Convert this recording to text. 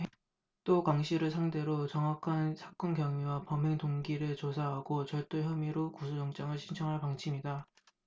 또 강씨를 상대로 정확한 사건경위와 범행 동기를 조사하고 절도 혐의로 구속영장을 신청할 방침이다